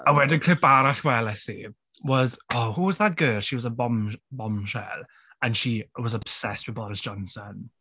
A wedyn clip arall weles i was... Oh who was that girl? She was a bombsh- bombshell and she was obsessed with Boris Johnson.